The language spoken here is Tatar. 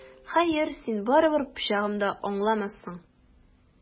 Хәер, син барыбер пычагым да аңламассың!